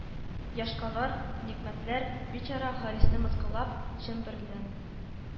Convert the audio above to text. Яшкалар, Нигъмәтләр, бичара Харисны мыскыллап, Чемберлен